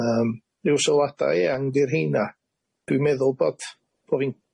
Yym ryw sylwada' eang 'di rheina dwi'n meddwl bod bo fi'n